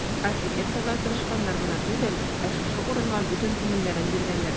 Архитекторлар тырышканнар гына түгел, ә шушы урынга бөтен күңелләрен биргәннәр.